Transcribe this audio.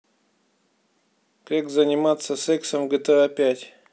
как заниматься сексом в гта пять